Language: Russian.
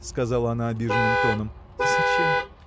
– сказала она обиженным тоном, – зачем?